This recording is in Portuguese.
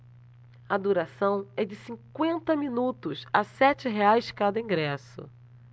a duração é de cinquenta minutos a sete reais cada ingresso